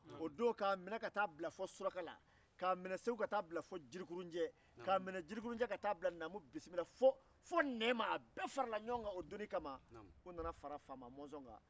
o don k'a minɛ segu fo suraka la k'a segu ka t'a bila fo jirikurunjɛ k'a minɛ jirikurunjɛ k'a t'a bila fo nɛma u bɛɛ nana fara mɔzɔn kan